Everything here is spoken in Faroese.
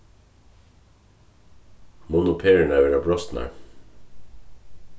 munnu perurnar vera brostnar